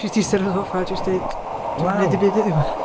Jyst ista ar y soffa a jyst deud dwi'm yn neud dim byd heddiw 'ma